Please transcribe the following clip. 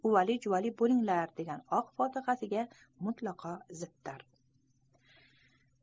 uvali juvali bo'linglar degan oq fotihasiga mutlaqo ziddir